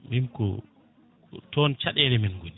min ko ko toon caɗele men goni